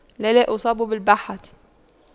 لا لا اصاب بالبحة